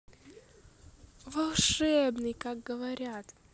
волшебный как говорят